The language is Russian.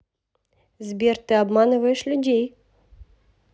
сбер ты обманываешь людей